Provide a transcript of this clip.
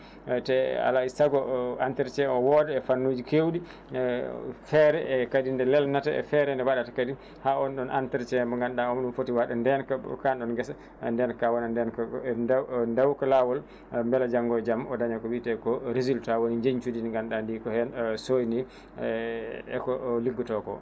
te alaysago entretien o wooda e fannuji kewɗi feere kadi ne lelnata e feere nde waɗata kadi ha on ɗon entretien mo gannduɗa o omo footi waad ndenka ka ɗon geesa ndenka ka wona ndenka daw daw lawol beele janŋgo e jaam o daaña ko wiite ko résultat woni njencundi ndi ganndeɗa ndi ko heen soyni e ko liggoto ko